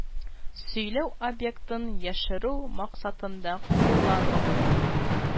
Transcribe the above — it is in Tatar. Сөйләү объектын яшерү максатында кулланылу